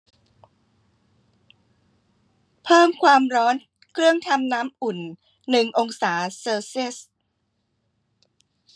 เพิ่มความร้อนเครื่องทำน้ำอุ่นหนึ่งองศาเซลเซียส